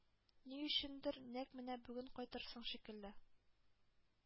Ни өчендер нәкъ менә бүген кайтырсың шикелле.